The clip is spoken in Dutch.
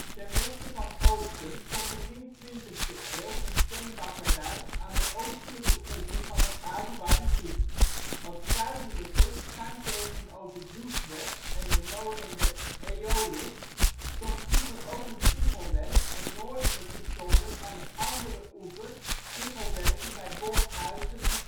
Ten westen van Oostum stond begin 20e eeuw een steenbakkerij aan de oostelijke oever het Aduarderdiep. Wat zuidelijker schuin tegenover Joeswerd en de molen De Eolus stond vroeger ook een tichelwerk en noordelijker stonden aan de andere oever tichelwerken bij Bolshuizen en Schifpot